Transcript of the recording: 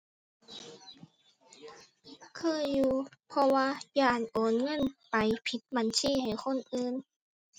เคยอยู่ เพราะว่าย้านโอนเงินไปผิดบัญชีให้คนอื่น